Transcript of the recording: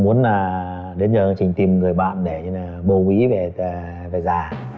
muốn nà đến giờ chỉ tìm người bạn để nà bầu bí về về già